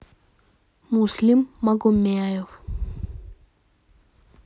муслим магомаев